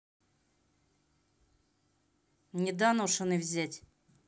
недоношенный взять